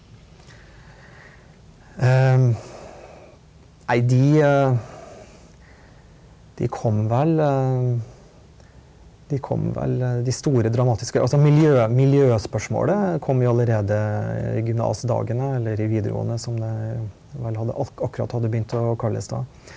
nei de de kom vel de kom vel de store dramatiske altså miljø miljøspørsmålet kom jo allerede i gymnasdagene eller i videregående som det vel hadde akkurat hadde begynt å kalles da.